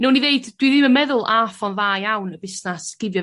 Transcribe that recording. Newn ni ddeud dwi ddim yn meddwl â ffor dda iawn y busnas gifio